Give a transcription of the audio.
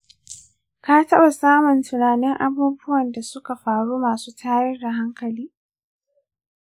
ka taɓa samun tunanin abubuwan da suka faru masu tayar da hankali?